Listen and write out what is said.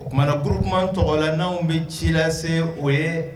O tumana groupement tɔgɔ la n'an bɛ ci lase o ye